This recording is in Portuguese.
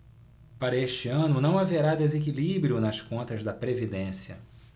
para este ano não haverá desequilíbrio nas contas da previdência